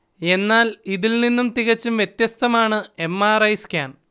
എന്നാൽ ഇതിൽനിന്നു തികച്ചും വ്യത്യസ്തമാണ് എം. ആർ. ഐ. സ്കാൻ